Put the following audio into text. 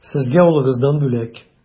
Сезгә улыгыздан бүләк.